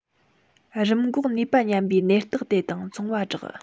རིམས འགོག ནུས པ ཉམས པའི ནད རྟགས དེ དང མཚུངས པ བསྒྲགས